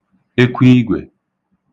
ekwiigwè